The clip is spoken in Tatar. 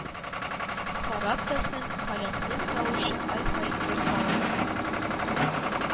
Харап та соң, Халәпнең тавышы ай-һай көр, һавалы